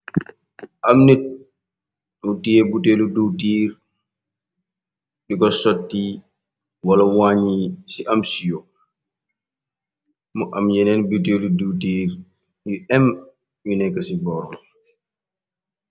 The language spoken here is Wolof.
Ahm nitt mu tiyeh butehli diwtirr dikor soti, wala waanji cii am siyoh, mu am yenen butehli diwtirr yu em yu nek cii bohram.